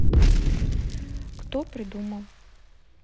кто придумал